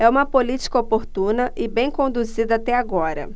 é uma política oportuna e bem conduzida até agora